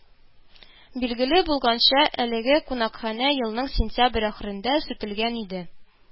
Билгеле булганча, әлеге кунакханә елның сентябрь ахырында сүтелгән иде